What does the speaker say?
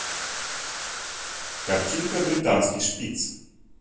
картинка британский шпиц